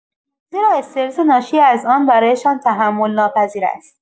زیرا استرس ناشی از آن برایشان تحمل‌ناپذیر است.